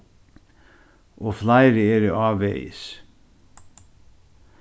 og fleiri eru ávegis